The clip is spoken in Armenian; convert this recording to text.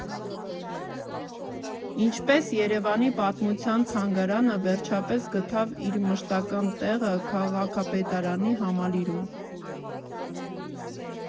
Ինչպես Երևանի պատմության թանգարանը վերջապես գտավ իր մշտական տեղը քաղաքապետարանի համալիրում։